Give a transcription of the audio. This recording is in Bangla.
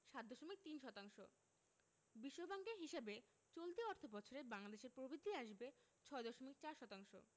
৭.৩ শতাংশ বিশ্বব্যাংকের হিসাবে চলতি অর্থবছরে বাংলাদেশের প্রবৃদ্ধি আসবে ৬.৪ শতাংশ